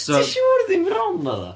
Ti'n siŵr ddim Ron oedd o?